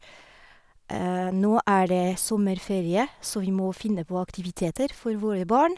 Nå er det sommerferie, så vi må finne på aktiviteter for våre barn.